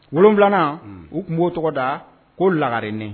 Wolon wolonwula u tun b'o tɔgɔda ko lagarennen